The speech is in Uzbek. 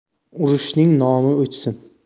urushning nomi o'chsin